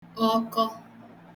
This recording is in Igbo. ọkọ